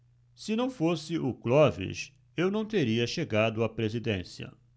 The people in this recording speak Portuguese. se não fosse o clóvis eu não teria chegado à presidência